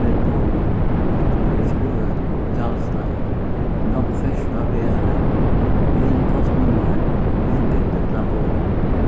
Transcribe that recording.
vel bý eg vil ikki brúka gjaldsleiðir er nógv ferðsla á veg heim vel postnummar vel bygd ella bý